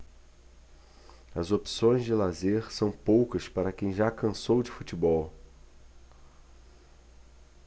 as opções de lazer são poucas para quem já cansou de futebol